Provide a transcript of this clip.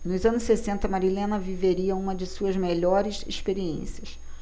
nos anos sessenta marilena viveria uma de suas melhores experiências